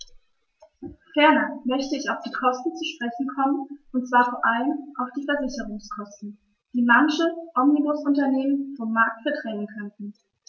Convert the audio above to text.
Ferner möchte ich auf die Kosten zu sprechen kommen, und zwar vor allem auf die Versicherungskosten, die manche Omnibusunternehmen vom Markt verdrängen könnten.